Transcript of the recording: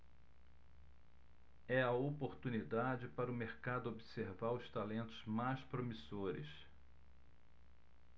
é a oportunidade para o mercado observar os talentos mais promissores